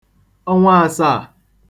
ọnwa asaà